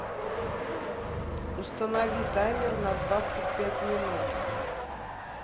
установи таймер на двадцать пять минут